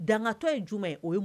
Dankatɔ ye jumɛn ye